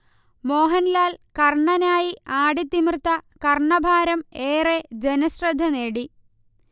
മോഹൻലാൽ കർണനായി ആടിത്തിമിർത്ത കർണഭാരം ഏറെ ജനശ്രദ്ധ നേടി